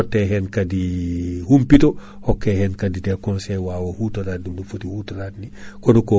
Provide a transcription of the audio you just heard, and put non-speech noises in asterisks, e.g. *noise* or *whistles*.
eɗen jaɓɓi ɗo hono on mo ganduɗa ko Abou% bacry Kane Aboubacry Kane *whistles* *hesitation* bissimilla ma